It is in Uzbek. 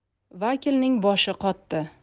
vakilning boshi qotdi